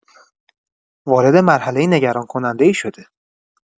وارد مرحله نگران‌کننده‌ای شده